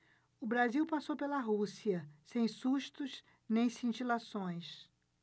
o brasil passou pela rússia sem sustos nem cintilações